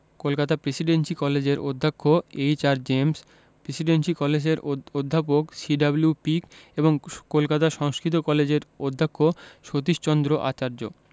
Kolkata presidency কলেজের অধ্যক্ষ H R James presidency কলেজের অধ্যাপক সি.ডব্লিউ পিক এবং কলকাতা সংস্কৃত কলেজের অধ্যক্ষ সতীশচন্দ্র আচার্য